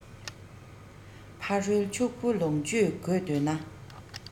ཕ རོལ ཕྱུག པོ ལོངས སྤྱོད དགོས འདོད ན